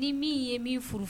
Ni min ye min furu